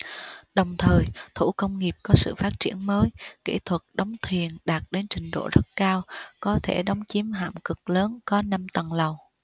đồng thời thủ công nghiệp có sự phát triển mới kỹ thuật đóng thuyền đạt đến trình độ rất cao có thể đóng chiến hạm cực lớn có năm tầng lầu